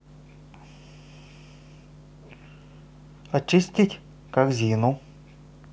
очистить корзину